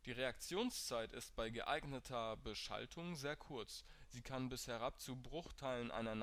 Reaktionszeit ist bei geeigneter Beschaltung sehr kurz; sie kann bis herab zu Bruchteilen einer